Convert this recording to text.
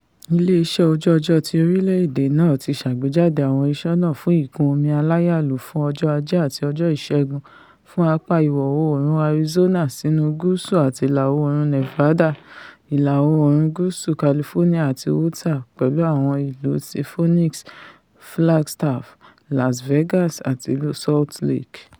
Ilé-iṣẹ́ Ojú-ọjọ́ ti orílẹ̀-èdè náà ti ṣàgbéjáde àwọn ìṣọ́nà fún ìkún-omi aláyalù fún ọjọ́ Ajé àti ọjọ́ Ìṣẹ́gun fún apà ìwọ-oòrùn Arizona sínu gúùsù àti ìlà-oòrùn Nevada, ìlà-oòrùn gúúsù California àti Utah, pẹ̀lú àwọn ìlú ti Phoenix. Flagstaff, Las Vegas, àti Ìlú Salt Lake.